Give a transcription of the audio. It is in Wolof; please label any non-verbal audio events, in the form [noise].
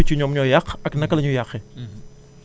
[hesitation] yan xeetu picc ñoom ñooy yàq ak naka la ñuy yàqee